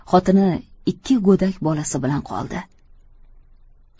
xotini ikki go'dak bolasi bilan qoldi